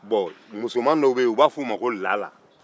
bɔn musoman dɔw bɛ yen u b'a fɔ olu ma ko lala